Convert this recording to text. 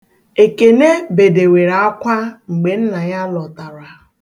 Ekene bedewere akwa mgbe nna ya lọtara.